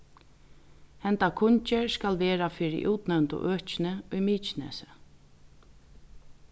henda kunngerð skal vera fyri útnevndu økini í mykinesi